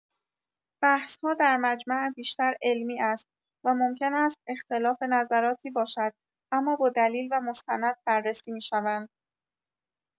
بحث‌ها در مجمع بیشتر علمی است و ممکن است اختلاف نظراتی باشد اما با دلیل و مستند بررسی می‌شوند.